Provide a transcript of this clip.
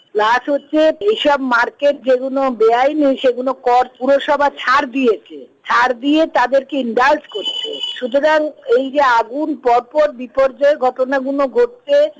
plus হচ্ছে যেসব market যেগুনো বেআইনি সেগুনো কর পুরসভা ছাড় দিয়েছে ছাড় দিয়ে তাদের কে ইনডালজ করেছে সুতরাং এই যে আগুন পর পর বিপর্যয়ের ঘটনাগুনো ঘটছে